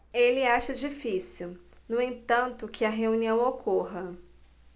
ele acha difícil no entanto que a reunião ocorra